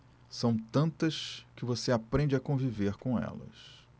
são tantas que você aprende a conviver com elas